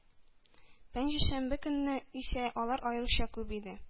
Пәнҗешәмбе көнне исә алар аеруча күп иде